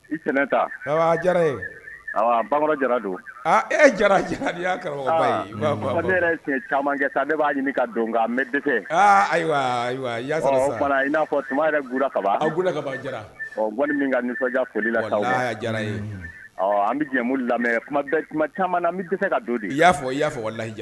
I ta jara don caman kɛ tan ne b'a ɲini don ayiwa i'a fɔ tuma g min ka nisɔn la an bɛ jɛ lamɛn caman ka di i y'a fɔ i